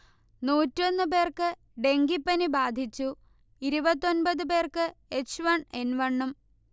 നൂറ്റൊന്നു പേർക്ക് ഡെങ്കിപ്പനി ബാധിച്ചു ഇരുപത്തൊന്പത് പേർക്ക് എച്ച്വൺ എൻവണും